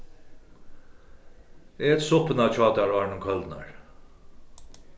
et suppuna hjá tær áðrenn hon kólnar